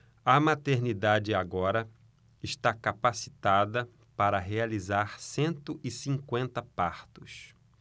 a maternidade agora está capacitada para realizar cento e cinquenta partos